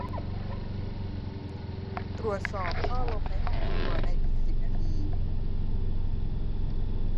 ตรวจสอบท่อลมในห้องครัวในอีกสิบนาที